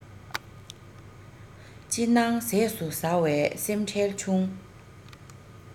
ཅི སྣང ཟས སུ ཟ བས སེམས ཁྲལ ཆུང